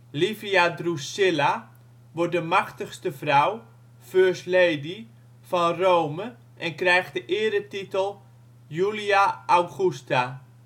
Livia Drusilla wordt de machtigste vrouw (First Lady) van Rome en krijgt de eretitel: Julia Augusta. Keizer